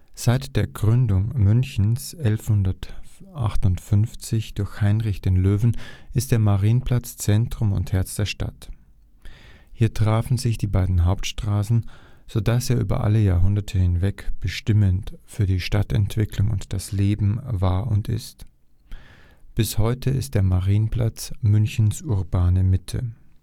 Seit der Gründung Münchens 1158 durch Heinrich den Löwen ist der Marienplatz Zentrum und Herz der Stadt. Hier trafen sich die beiden Hauptstraßen, so dass er über alle Jahrhunderte hinweg bestimmend für die Stadtentwicklung und das Leben war und ist. Bis heute ist der Marienplatz Münchens urbane Mitte